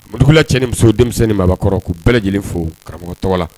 Morila cɛ ni muso denmisɛnnin babakɔrɔ' bɛɛ lajɛlen fo karamɔgɔ tɔgɔ la